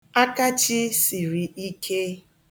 Akachi siri ike.